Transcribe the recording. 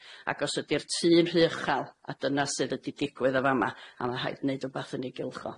Ag os ydi'r tŷ'n rhy uchel, a dyna sydd 'ydi digwydd yn fan'ma, a ma' rhaid neud wbath yn ei gylch o.